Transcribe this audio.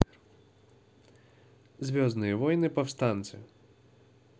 звездные войны повстанцы